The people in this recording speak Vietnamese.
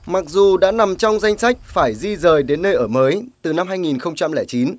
mặc dù đã nằm trong danh sách phải di dời đến nơi ở mới từ năm hai nghìn không trăm lẻ chín